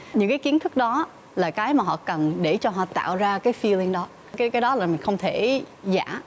những cái kiến thức đó là cái mà họ cần để cho họ tạo ra cái phi linh đó cái cái đó là mình không thể giả